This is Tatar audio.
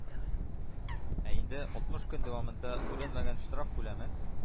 Ә инде алтмыш көн дәвамында түләнмәгән штраф күләме,